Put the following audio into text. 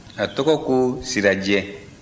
a tɔgɔ ko sirajɛ